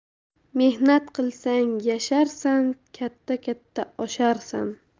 mehnat qilsang yasharsan katta katta osharsan